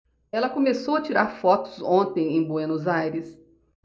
ela começou a tirar fotos ontem em buenos aires